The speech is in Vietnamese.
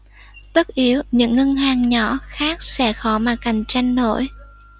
tất yếu những ngân hàng nhỏ khác sẽ khó mà cạnh tranh nổi